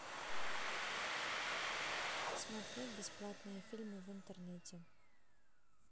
смотреть бесплатные фильмы в интернете